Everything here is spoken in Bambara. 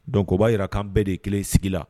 Dɔgɔba jira kan bɛɛ de kelen sigi la